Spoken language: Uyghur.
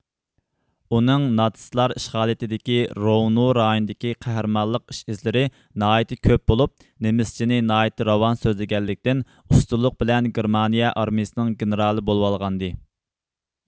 ئۇنىڭ ناتسىستلار ئىشغالىيىتىدىكى روۋنو رايونىدىكى قەھرىمانلىق ئىش ئىزلىرى ناھايىتى كۆپ بولۇپ نېمىسچىنى ناھايىتى راۋان سۆزلىگەنلىكتىن ئۇستىلىق بىلەن گېرمانىيە ئارمىيىسىنىڭ گېنىرالى بولۇۋالغانىدى